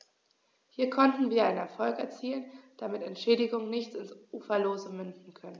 Hier konnten wir einen Erfolg erzielen, damit Entschädigungen nicht ins Uferlose münden können.